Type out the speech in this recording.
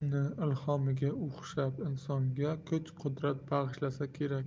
uni ilhomiga o'xshab insonga kuch qudrat bag'ishlasa kerak